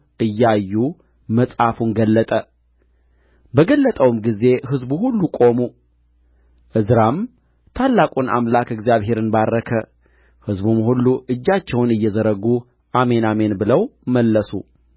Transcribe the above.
እያዩ መጽሐፉን ገለጠ በገለጠውም ጊዜ ሕዝቡ ሁሉ ቆሙ ዕዝራም ታላቁን አምላክ እግዚአብሔርን ባረከ ሕዝቡም ሁሉ እጃቸውን እየዘረጉ አሜን አሜን ብለው መለሱ